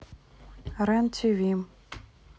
рен ти ви